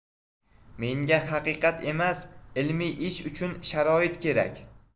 menga haqiqat emas ilmiy ish uchun sharoit kerak